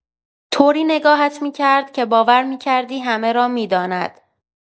طوری نگاهت می‌کرد که باور می‌کردی همه را می‌داند!